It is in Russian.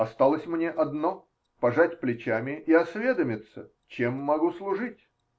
Осталось мне одно -- пожать плечами и осведомиться, чем могу служить.